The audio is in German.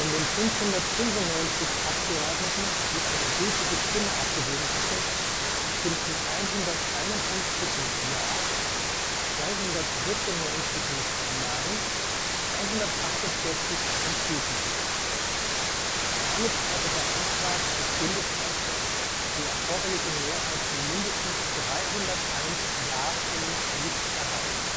den 595 Abgeordneten, die eine gültige Stimme abgegeben hatten, stimmten 151 mit „ Ja “, 296 mit „ Nein “, 148 enthielten sich. Damit hatte der Antrag des Bundeskanzlers die erforderliche Mehrheit von mindestens 301 Ja-Stimmen nicht erreicht